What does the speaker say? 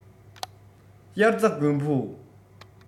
དབྱར རྩྭ དགུན འབུ